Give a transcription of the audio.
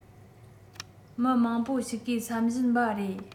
མི མང པོ ཞིག གིས བསམ བཞིན པ རེད